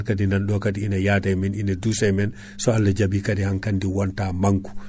kaadi nanɗo kaadi ina yade e men ina dussa e men so Allah jaaɓi kaadi hankkandi wonta manque ku